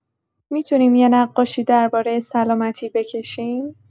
می‌تونیم یه نقاشی درباره سلامتی بکشیم؟